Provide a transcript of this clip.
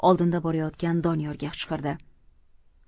oldinda borayotgan doniyorga qichqirdi